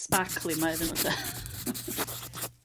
sbarcli ma' iddyn nhwn 'lly .